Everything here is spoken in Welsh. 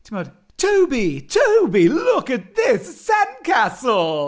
Timod, "Toby, Toby, look at this, a sandcastle".